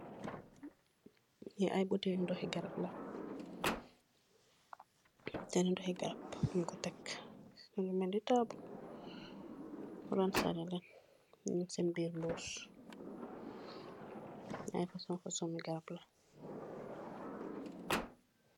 Lii ay butaili ndohi garap la, butaili ndohi garap, nyunko tek ransaleleen, nyungsi biir mbuss, ay fashion fashioni garap.